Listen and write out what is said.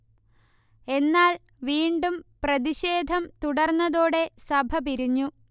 എന്നാൽ വീണ്ടും പ്രതിഷേധം തുടർന്നതോടെ സഭ പിരിഞ്ഞു